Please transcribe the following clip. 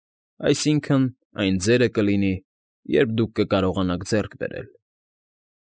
Այսինքն՝ այն ձերը կլինի, երբ դուք կկարողանաք ձեռք բերել։